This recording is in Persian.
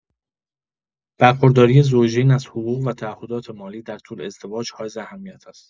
برخورداری زوجین از حقوق و تعهدات مالی در طول ازدواج حائز اهمیت است.